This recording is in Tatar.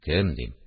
– кем? – дим